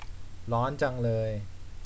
ร้อนจังเลย